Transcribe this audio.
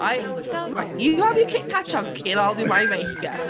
I... Right you have your Kit Kat chunky and I'll do my make-up.